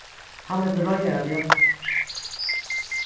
hann er til reiðar at hjálpa